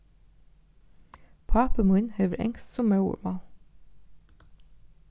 pápi mín hevur enskt sum móðurmál